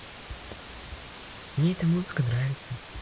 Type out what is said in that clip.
мне эта музыка нравится